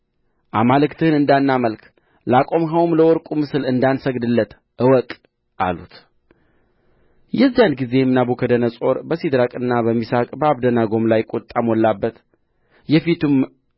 አማልክትህን እንዳናመልክ ላቆምኸውም ለወርቁ ምስል እንዳንሰግድለት እወቅ አሉት የዚያን ጊዜም ናቡከደነፆር በሲድራቅና በሚሳቅ በአብደናጎም ላይ ቍጣ ሞላበት የፊቱም